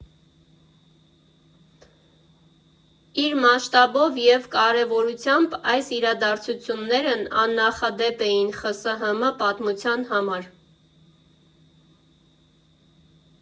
Իր մասշտաբով և կարևորությամբ այս իրադարձություններն աննախադեպ էին ԽՍՀՄ պատմության համար։